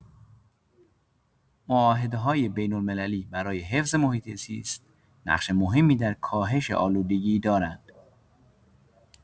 معاهده‌های بین‌المللی برای حفظ محیط‌زیست، نقش مهمی در کاهش آلودگی دارند.